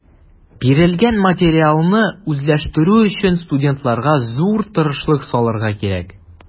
Бирелгән материалны үзләштерү өчен студентларга зур тырышлык салырга кирәк.